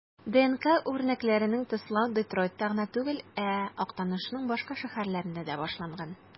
ДНК үрнәкләрен тестлау Детройтта гына түгел, ә АКШның башка шәһәрләрендә дә башланган.